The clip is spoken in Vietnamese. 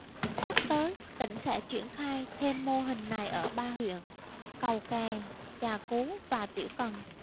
sắp tới tỉnh sẽ triển khai thêm mô hình này ở ba huyện cầu kè trà cú và tiểu cần